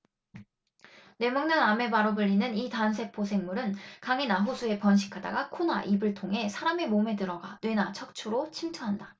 뇌 먹는 아메바로 불리는 이 단세포 생물은 강이나 호수에 번식하다가 코나 입을 통해 사람의 몸에 들어가 뇌나 척추로 침투한다